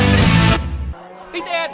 tính tiền